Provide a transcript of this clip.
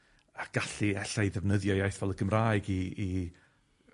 a gallu ella i defnyddio iaith fel y Gymraeg i i